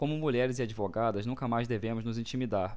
como mulheres e advogadas nunca mais devemos nos intimidar